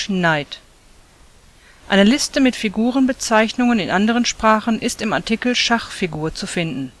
Knight). (Eine Liste mit Figurenbezeichnungen in anderen Sprachen ist im Artikel Schachfigur zu finden